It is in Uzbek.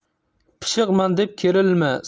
pishiqman deb kerilma